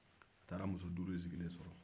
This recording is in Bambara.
a taara muso duuru in sigilen sɔrɔ